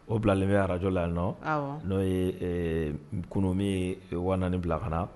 O bilalen bɛ arajla yen nɔ n'o ye kununmi wa bila ka na